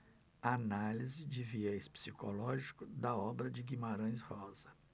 análise de viés psicológico da obra de guimarães rosa